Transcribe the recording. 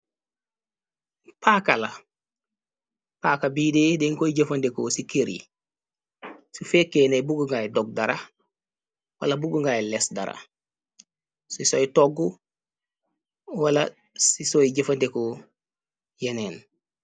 Paakala paaka bii de den koy jëfandeko ci kër yi si fekkee nay bugg ngay dog dara wala buggu ngay les dara si soy togg wala si soy jëfandeko yeneen.